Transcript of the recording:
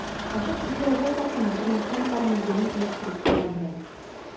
Ачык йөзле авыл хатыны тормышның һәр мизгелен эләктереп ала белә.